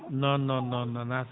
noon noon noon noon ar'